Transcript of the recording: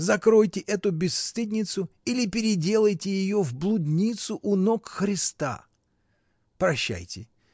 Закройте эту бесстыдницу или переделайте ее в блудницу у ног Христа. Прощайте.